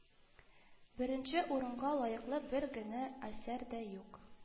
Беренче урынга лаеклы бер генә әсәр дә юк